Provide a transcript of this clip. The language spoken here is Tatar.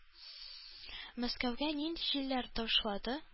Мәскәүгә нинди җилләр ташлады?